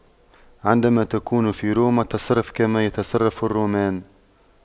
عندما تكون في روما تصرف كما يتصرف الرومان